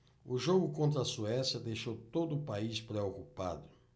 o jogo contra a suécia deixou todo o país preocupado